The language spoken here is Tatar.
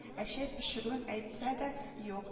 Ә чәй пешерүен әйтсә дә юк